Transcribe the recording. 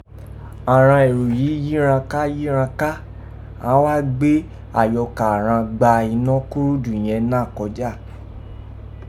Àghan èro yìí yí ghan ká yí ghan ká, án wá gbé àyọkà ghan gba inọ́ kurudu yẹ̀n náà kọjá.